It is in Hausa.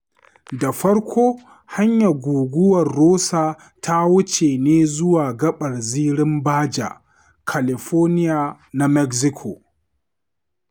Da farko, hanyar Guguwar Rosa ta wuce ne zuwa gaɓar zirin Baja California na Mexico.